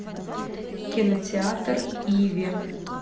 кинотеатр иви